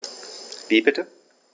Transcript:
Wie bitte?